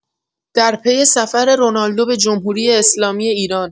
درپی سفر رونالدو به جمهوری‌اسلامی ایران